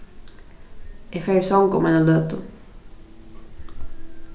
eg fari í song um eina løtu